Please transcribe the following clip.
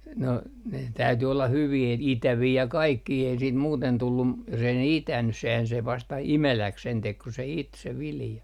no ne täytyi olla hyviä että itäviä ja kaikkia ei siitä muuten tullut - jos ei ne itänyt sehän se vasta imeläksi sen teki kun se iti se vilja